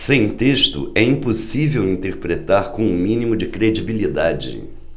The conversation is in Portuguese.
sem texto é impossível interpretar com o mínimo de credibilidade